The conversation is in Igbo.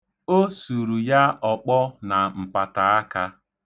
O suru ya ọkpọ na mpataaka.